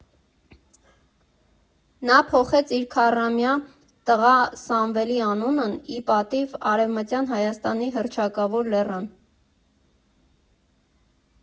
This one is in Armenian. Նա փոխեց իր քառամյա տղա Սամվելի անունն ի պատիվ Արևմտյան Հայաստանի հռչակավոր լեռան։